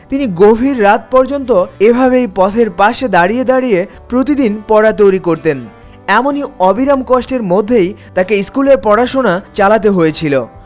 তিনি গভীর রাত পর্যন্ত এভাবে পথের পাশে দাঁড়িয়ে দাঁড়িয়ে প্রতিদিন পড়া তৈরি করতেন এমন অবিরাম কষ্টের মধ্যেই তাকে স্কুলের পড়াশোনা চালাতে হয়েছিল